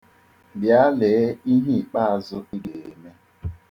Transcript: Bịa lee ihe ikpeazụ ị ga-eme.